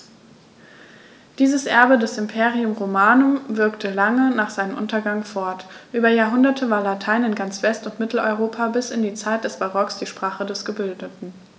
Dieses Erbe des Imperium Romanum wirkte lange nach seinem Untergang fort: Über Jahrhunderte war Latein in ganz West- und Mitteleuropa bis in die Zeit des Barock die Sprache der Gebildeten.